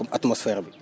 comme atmosphère bi